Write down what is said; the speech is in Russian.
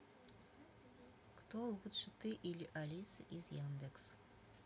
кто лучше ты или алиса из яндекс